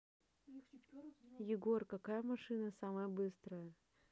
егор какая машина самая быстрая